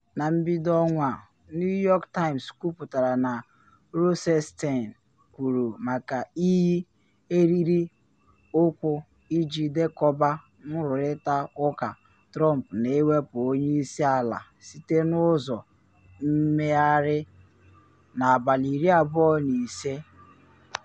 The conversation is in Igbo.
Na mbido ọnwa a, New York Times kwuputara na Rosenstein kwuru maka iyi eriri okwu iji dekọba nrụrịta ụka Trump na iwepu onye isi ala site n’ụzọ mmegharị 25th.